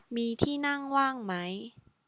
มีที่นั่งว่างไหม